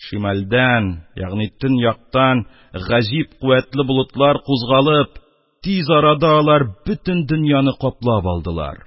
Шимальдән ягъни тоньяктан гаҗиб куәтле болытлар кузгалып, тиз арада алар бөтен дөньяны каплап алдылар.